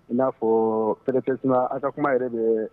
In n'a fɔ précisément an ka kuma yɛrɛ de yeee